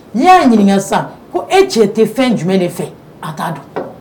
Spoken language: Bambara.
N'i y'a ɲininka sa ko e cɛ tɛ fɛn jumɛn de fɛ a t don